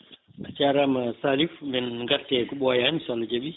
a jarama Salif men gartu e ko ɓooyani so Allah jaaɓi